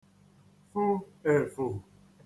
fu èfù